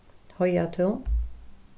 heiðatún